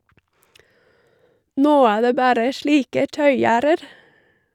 Nå er det bare slike taugjerder.